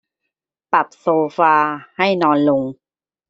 ปรับโซฟาให้นอนลง